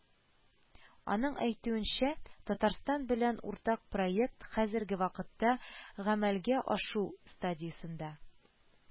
Аның әйтүенчә, Татарстан белән уртак проект хәзерге вакытта гамәлгә ашу стадиясендә